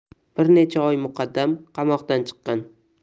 bir necha oy muqaddam qamoqdan chiqqan